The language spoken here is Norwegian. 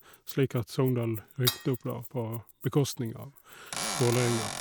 Slik at Sogndal rykket opp, da, på bekostning av Vålerenga, da.